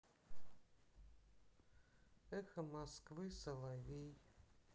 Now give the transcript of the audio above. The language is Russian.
эхо москвы соловей